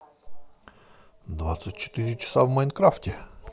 двадцать четыре часа в майнкрафте